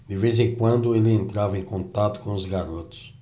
de vez em quando ele entrava em contato com os garotos